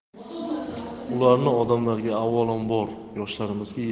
ularni odamlarga avvalambor yoshlarimizga